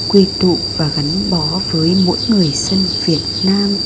quy tụ và gắn bó với mỗi người dân việt nam